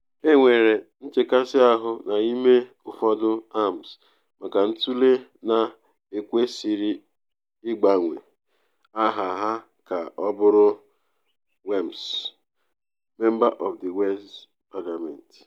Enwere nchekasị ahụ n’ime ụfọdụ AMs maka ntụle na ekwesịrị ịgbanwe aha ha ka ọ bụrụ MWPs (Member of the Welsh Parliament).